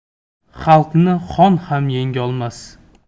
xalqni xon ham yengolmas